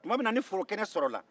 tuma min na ni forokɛnɛ sɔrɔla